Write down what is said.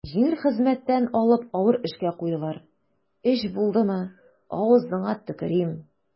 Җиңел хезмәттән алып авыр эшкә куйдылар, өч булдымы, авызыңа төкерим.